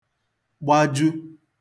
gbaju